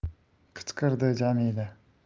qichqirdi jamila